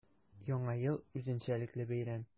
Яңа ел – үзенчәлекле бәйрәм.